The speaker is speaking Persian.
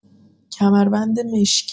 کمربند مشکی